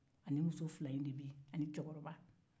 a ni muso fila in de bɛ ani cɛkɔrɔba